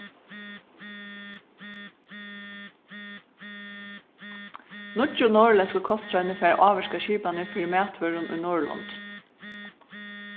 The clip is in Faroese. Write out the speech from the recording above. nýggju norðurlendsku kostráðini fara at ávirka skipanir fyri matvørum í norðurlondum